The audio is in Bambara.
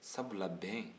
sabula bɛn